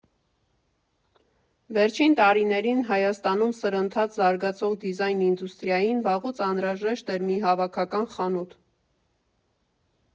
Վերջին տարիներին Հայաստանում սրընթաց զարգացող դիզայն ինդուստրիային վաղուց անհրաժեշտ էր մի հավաքական խանութ։